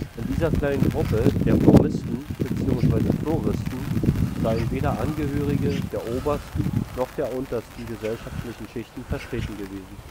In dieser kleinen Gruppe der bloemisten bzw. floristen seien weder Angehörige der obersten noch der untersten gesellschaftlichen Schichten vertreten gewesen